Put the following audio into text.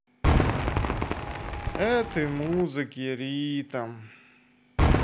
этой музыки ритм